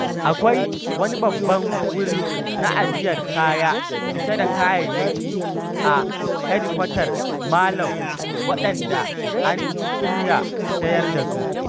Akwai wani babban wuri na ajiyar kaya cike da kayayyaki a hedikwatar Marlow waɗanda an shirya sayar da su.”